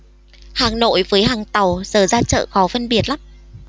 hàng nội với hàng tàu giờ ra chợ khó phân biệt lắm